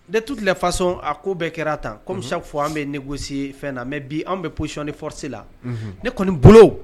De toutes les façons a ko bɛɛ kɛra tan comme chaque fois an bɛ négocier fɛn na mais bi an bɛ position de force la kɔni bolo